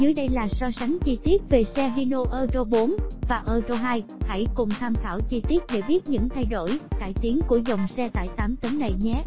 dưới đây là so sánh chi tiết về xe hino euro và euro hãy cùng tham khảo chi tiết để biết những thay đổi cải tiến của dòng xe tải tấn này nhé